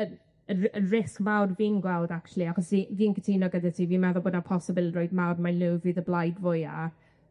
y r- y risg mawr fi'n gweld acshyli, achos fi fi'n cytuno gyda ti, fi'n meddwl bod 'na posibilrwydd mawr mai nw fydd y blaid fwya.